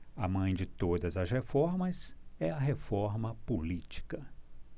a mãe de todas as reformas é a reforma política